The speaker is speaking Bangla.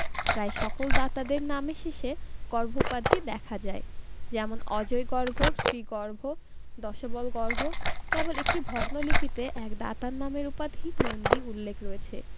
প্রায় সকল দাতাদের নামের শেষে গর্ভ উপাধি দেখা যায় যেমন অজয়গর্ভ শ্রীগর্ভ দশবলগর্ভ কেবল একটি ভগ্ন লিপিতে এক দাতার নাম এর উপাধি নন্দী উল্লেখ রয়েছে